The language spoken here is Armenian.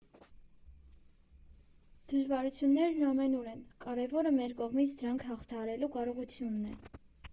Դժվարություններն ամենուր են, կարևորը մեր կողմից դրանք հաղթահարելու կարողությունն է։